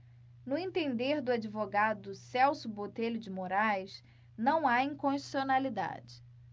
no entender do advogado celso botelho de moraes não há inconstitucionalidade